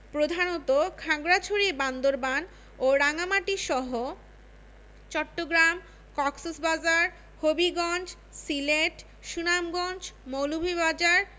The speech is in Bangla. প্রধানত খাগড়াছড়ি বান্দরবান ও রাঙ্গামাটিসহ চট্টগ্রাম কক্সবাজার হবিগঞ্জ সিলেট সুনামগঞ্জ মৌলভীবাজার